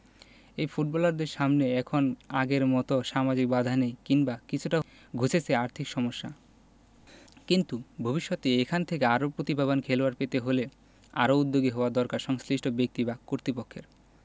এই ফুটবলারদের সামনে এখন আগের মতো সামাজিক বাধা নেই কিংবা কিছুটা হলেও ঘুচেছে আর্থিক সমস্যা কিন্তু ভবিষ্যতে এখান থেকে আরও প্রতিভাবান খেলোয়াড় পেতে হলে আরও উদ্যোগী হওয়া দরকার সংশ্লিষ্ট ব্যক্তি বা কর্তৃপক্ষের